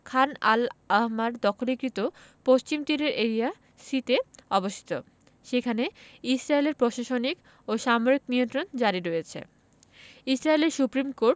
খান al Ahmar দখলীকৃত পশ্চিম তীরের এরিয়া সি তে অবস্থিত সেখানে ইসরাইলের প্রশাসনিক ও সামরিক নিয়ন্ত্রণ জারি রয়েছে ইসরাইলের সুপ্রিম কোর্ট